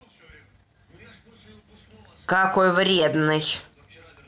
какой вредный